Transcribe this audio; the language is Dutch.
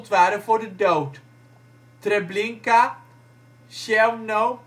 waren voor de dood: Treblinka, Chełmno